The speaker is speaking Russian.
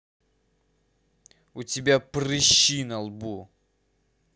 у тебя прыщи на лбу